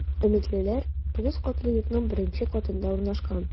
“өметлеләр” 9 катлы йортның беренче катында урнашкан.